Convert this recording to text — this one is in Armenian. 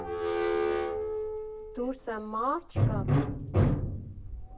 Դուրսը մա՜րդ չկա։